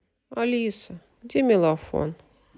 алиса где мелофон